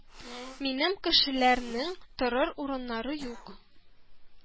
Минем кешеләрнең торыр урыннары юк